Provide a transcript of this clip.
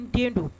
Den dun